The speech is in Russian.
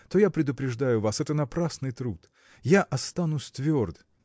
то я предупреждаю вас – это напрасный труд я останусь тверд.